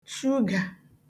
shugà